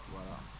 voilà